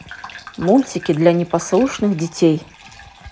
мультики для непослушных детей